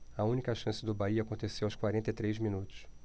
a única chance do bahia aconteceu aos quarenta e três minutos